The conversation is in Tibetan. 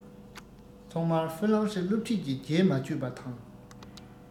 ཐོག མར ཧྥུ ལང ཧྲི སློབ ཁྲིད ཀྱི རྗེས མ ཆོད པ དང